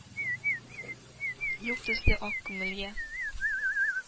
Юк төсле ак күңелгә...